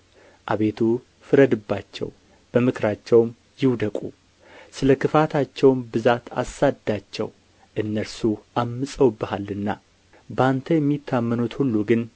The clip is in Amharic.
አቤቱ ፍረድባቸው በምክራቸውም ይውደቁ ስለ ክፋታቸውም ብዛት አሳድዳቸው እነርሱ ዐምፀውብሃልና በአንተ የሚታመኑት ሁሉ ግን